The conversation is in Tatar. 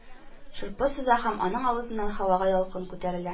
Шырпы сыза, һәм аның авызыннан һавага ялкын күтәрелә